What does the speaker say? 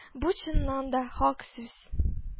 Бу, чыннан да, хак сүз